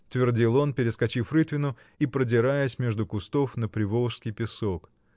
— твердил он, перескочив рытвину и продираясь между кустов на приволжский песок.